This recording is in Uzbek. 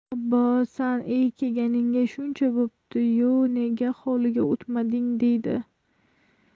obbo san ey keganingga shuncha bo'bdi yu nega hovliga o'tmading deydi